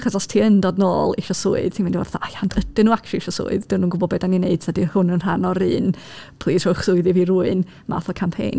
Achos os ti yn dod nôl isio swydd, ti'n mynd i fod fatha, "O ia, ond ydyn nhw actually isio swydd? Ydyn nhw'n gwbod be dan ni'n neud ta 'di hwn yn rhan o'r un "Plis rhowch swydd i fi rhywun" math o campaign?